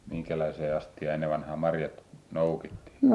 minkälaiseen astiaan ennen vanhaan marjat noukittiin